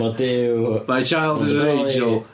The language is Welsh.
Ma' Duw... My child is an angel.